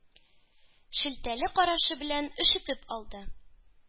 Шелтәле карашы белән өшетеп алды.